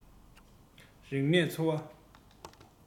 རིག གནས འཚོ བ